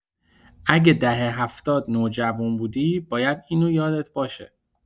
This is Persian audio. اگه دهه هفتاد نوجوان بودی، باید اینو یادت باشه!